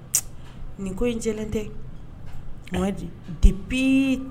Nin ko tɛ